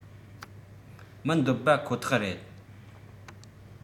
མི འདོད པ ཁོ ཐག རེད